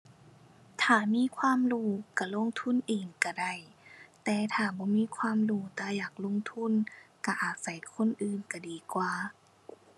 ถ้ามีความรู้ก็ลงทุนเองก็ได้ แต่ถ้าบ่ความรู้แต่อยากลงทุน ก็อาศัยคนอื่นก็ดีกว่า